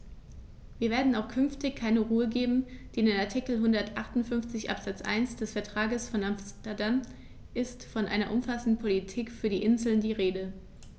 Wir werden auch künftig keine Ruhe geben, denn in Artikel 158 Absatz 1 des Vertrages von Amsterdam ist von einer umfassenden Politik für die Inseln die Rede.